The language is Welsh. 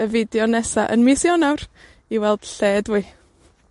y fideo nesa yn mis Ionawr, i weld lle ydw i.